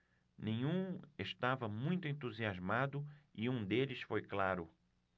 nenhum estava muito entusiasmado e um deles foi claro